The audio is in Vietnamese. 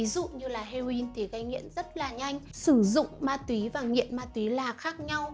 ví dụ heroin gây nghiện rất là nhanh sử dụng ma túy và nghiện ma túy là khác nhau